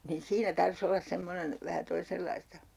niin siinä tarvitsisi olla semmoinen vähän toisenlaista